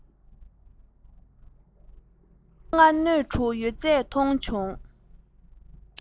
མལ གོས དང གྱོན ཆས